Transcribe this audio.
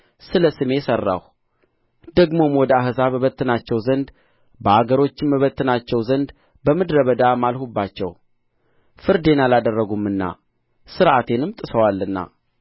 ስለ ስሜ ሠራሁ ደግሞም ወደ አሕዛብ እበትናቸው ዘንድ በአገሮችም እበትናቸው ዘንድ በምድረ በዳ ማልሁባቸው ፍርዴን አላደረጉምና ሥርዓቴንም ጥሰዋልና